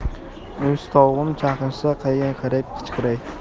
o'z tovug'im chaqirsa qayga qarab qichqiray